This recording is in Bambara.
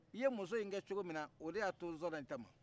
i ye muso in kɛ cogo min na o de y'a to n sɔnna i ta ma